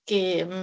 Gêm.